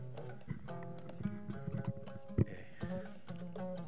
eeyi